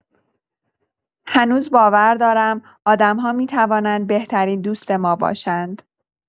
هنوز باور دارم آدم‌ها می‌توانند بهترین دوست ما باشند.